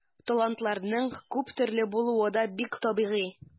Талантларның күп төрле булуы да бик табигый.